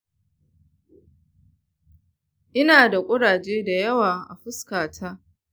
ina da kuraje da yawa a fuskata.